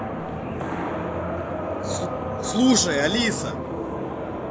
слушай алиса